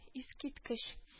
— искиткеч